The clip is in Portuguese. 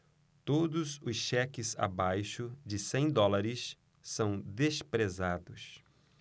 todos os cheques abaixo de cem dólares são desprezados